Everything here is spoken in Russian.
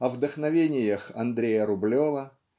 о вдохновениях Андрея Рублева